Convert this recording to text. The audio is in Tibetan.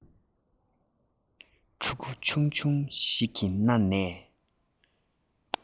ཕྲུ གུ ཆུང ཆུང ཞིག གི སྣ ནས